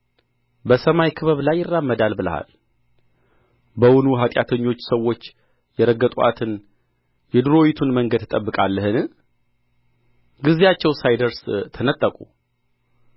በሰማይ ክበብ ላይ ይራመዳል ብለሃል በውኑ ኃጢአተኞች ሰዎች የረገጡአትን የዱሮይቱን መንገድ ትጠብቃለህን ጊዜያቸው ሳይደርስ ተነጠቁ